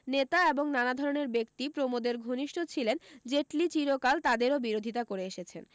নেতা এবং নানা ধরণের ব্যক্তি প্রমোদের ঘনিষ্ঠ ছিলেন জেটলি চিরকাল তাঁদেরও বিরোধিতা করে এসেছেন